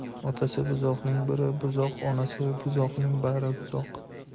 otasi buzuqning biri buzuq onasi buzuqning bari buzuq